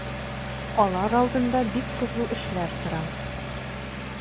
Алар алдында бик кызу эшләр тора.